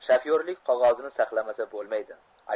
shoferlik qog'ozini saqlamasa bo'lmaydi